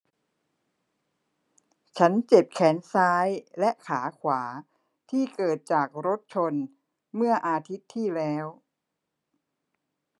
ฉันเจ็บแขนซ้ายและขาขวาที่เกิดจากรถชนเมื่ออาทิตย์ที่แล้ว